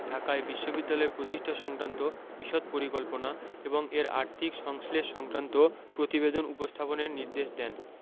ঢাকায় বিশ্ববিদ্যালয় প্রতিষ্ঠা সংক্রান্ত বিশদ পরিকল্পনা এবং এর আর্থিক সংশ্লেষ সংক্রান্ত প্রতিবেদন উপস্থাপনের নির্দেশ দেন